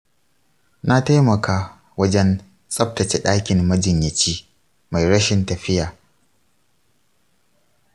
na taimaka wajen tsabtace ɗakin majiyyaci mai rashin lafiya.